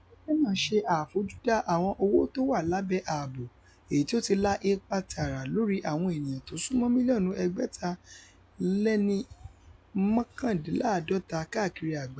Ẹgbẹ́ náà ṣe àfojúdá àwọn owó tówà lábẹ́ ààbò èyití ó ti la ipa tààrà lórí àwọn ènìyàn tó súnmọ́ mílíọ̀nù ẹgbẹ̀ta-léní-mọ́kàndínláàádọ́ta káàkiri àgbáyé.